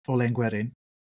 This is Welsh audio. O len gwerin.